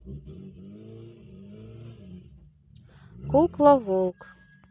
кукла волк